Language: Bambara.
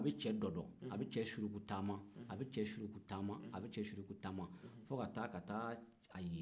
a bɛ cɛ dɔdɔ a bɛ cɛ surugutaama a bɛ cɛ surugutaama a bɛ cɛ surugutaama fo ka taa ka taa a ye